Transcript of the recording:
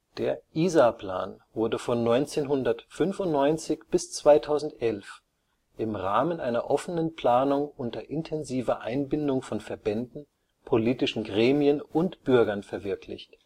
Der Isar-Plan wurde von 1995 bis 2011 im Rahmen einer offenen Planung unter intensiver Einbindung von Verbänden, politischen Gremien und Bürgern verwirklicht